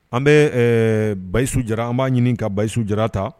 An bɛ basisu jara an b'a ɲini ka basisu jara ta